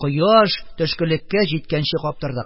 Кояш төшкелеккә җиткәнче каптырдык